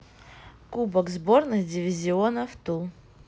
кубок сборных дивизионов ту